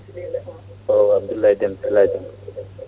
eyyi Abdoulaye Déme Sylla